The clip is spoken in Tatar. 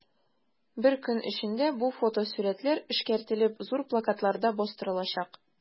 Бер көн эчендә бу фотосурәтләр эшкәртелеп, зур плакатларда бастырылачак.